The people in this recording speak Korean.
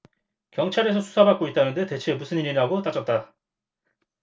경찰에서 수사받고 있다는데 대체 무슨 일이냐고 따졌다